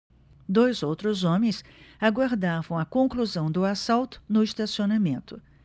dois outros homens aguardavam a conclusão do assalto no estacionamento